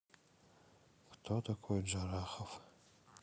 кто такой джарахов